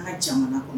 An ka jamana kɔnɔ